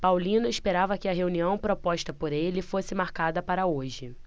paulino esperava que a reunião proposta por ele fosse marcada para hoje